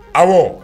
Awɔ